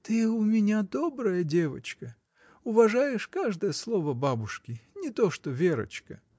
— Ты у меня добрая девочка, уважаешь каждое слово бабушки. не то что Верочка.